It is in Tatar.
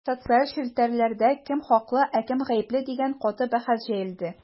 Соцчелтәрләрдә кем хаклы, ә кем гапле дигән каты бәхәс җәелде.